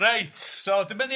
Reit, so dyma ni.